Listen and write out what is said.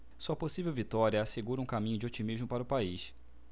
sua possível vitória assegura um caminho de otimismo para o país